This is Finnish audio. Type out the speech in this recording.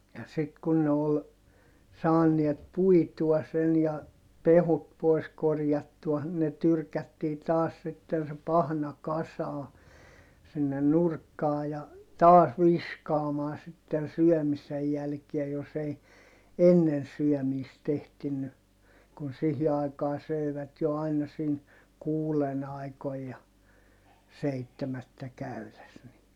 ja sitten kun ne oli saaneet puitua sen ja pehkut pois korjattua ne tyrkättiin taas sitten se pahna kasaan sinne nurkkaan ja taas viskaamaan sitten syömisen jälkiä jos ei ennen syömistä ehtinyt kun siihen aikaan söivät jo aina siinä kuuden aikoihin ja seitsemättä käydessä niin